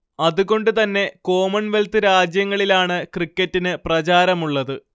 അത്കൊണ്ടുതന്നെ Commonwealth രാജ്യങ്ങളിലാണ് ക്രിക്കറ്റിന് പ്രചാരമുള്ളത്